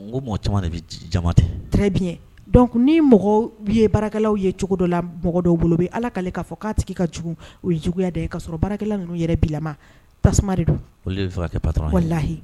Mɔgɔ caman de bɛ ja tɛc ni mɔgɔ ye baralaww ye cogo dɔ la mɔgɔ dɔw bolo bɛ ala ka k'a fɔ k'a tigi ka u juguya de ka sɔrɔ bara ninnu yɛrɛ bila tasuma donhi